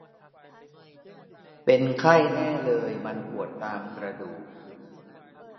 เป็นไข้แน่เลยมันปวดตามกระดูก